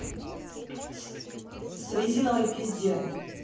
с с резиновой пизде